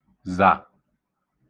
zà